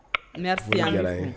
Ne se ye